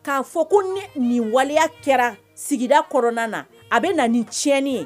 K'a fɔ ko nin waleya kɛra sigida kɔnɔna na a bɛ na nin tiɲɛni